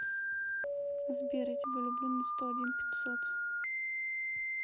сбер я тебя люблю на сто один пятьсот